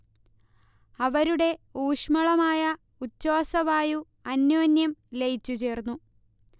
അവരുടെ ഊഷ്മളമായ ഉച്ഛ്വാസവായു അന്യോന്യം ലയിച്ചു ചേർന്നു